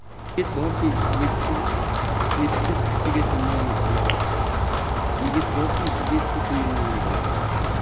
yigit borki yetti pushtigacha nomi qolar yigit borki yetti kunda nomi yo'qolar